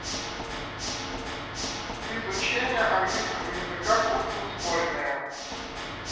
изучение английского языка курсы ускоренные